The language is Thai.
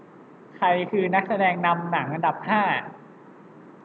ใครคือนักแสดงนำหนังอันดับห้า